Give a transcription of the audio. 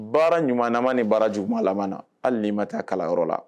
Baara ɲuman nama ni baara juuma laban na halilii ma taa kalayɔrɔ la